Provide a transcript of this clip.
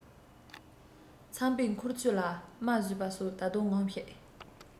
ཚངས པའི མཁུར ཚོས ལ རྨ བཟོས པ སོགས ད དུང ངོམས ཤིག